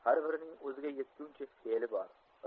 har birining o'ziga yetguncha feli bor